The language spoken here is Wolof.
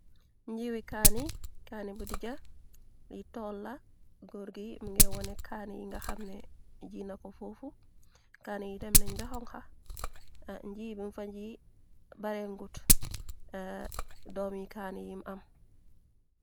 Njiiwi ankanni bu dija li tolla gorgi mu nga wone kann yi nga xamne jina ko foofu kann yi dem nañ bekonha njii bim fa ji barengut domi kann yi am.